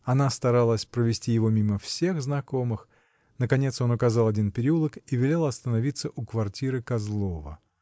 Она старалась провезти его мимо всех знакомых, наконец он указал один переулок и велел остановиться у квартиры Козлова.